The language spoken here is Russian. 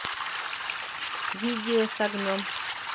видео с огнем